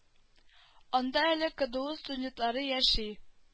Анда әле кду студентлары яши